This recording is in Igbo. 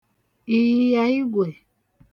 ị̀yị̀yà igwè